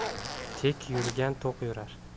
tek yurgan to'q yurar